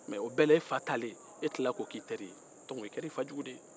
mɛ e tilara k'o k'i teri ye i fa taalen kɔ